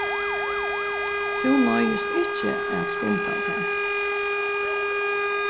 tú noyðist ikki at skunda tær